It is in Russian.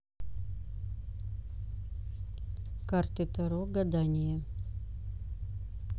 карты таро гадание